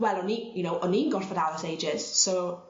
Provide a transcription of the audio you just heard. wel o'n i you know o'n i'n gorffod aros ages so